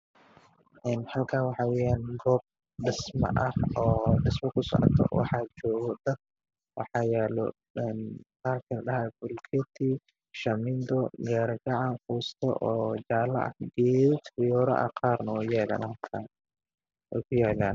Waxaa i muuqata guri dhismo ku socoto oo dhagax maan horyaalaan iyo guryo kale iyo geedo cagaaran iyo meel banaan ah